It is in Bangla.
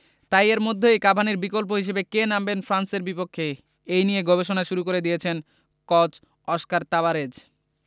তাই এর মধ্যেই কাভানির বিকল্প হিসেবে কে নামবেন ফ্রান্সের বিপক্ষে এই নিয়ে গবেষণা শুরু করে দিয়েছেন কোচ অস্কার তাবারেজ